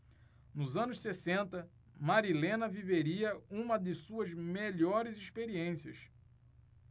nos anos sessenta marilena viveria uma de suas melhores experiências